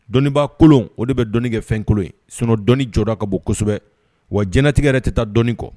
Dɔnniibaa kolon o de bɛ dɔni kɛ fɛnkolon ye sun dɔn jɔra ka bon kosɛbɛ wa jɛnɛtigɛ yɛrɛ tɛ taa dɔn kɔ